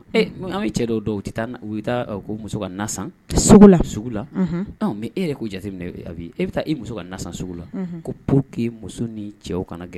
An bɛ cɛ dɔw don u bɛ ko muso ka na sogo la sugu la mɛ e yɛrɛ'u jateminɛ bi e bɛ taa e muso ka na sugu la ko po que muso ni cɛw kana gɛn